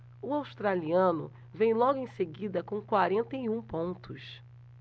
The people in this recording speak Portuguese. o australiano vem logo em seguida com quarenta e um pontos